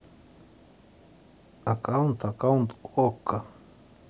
аккаунт аккаунт okko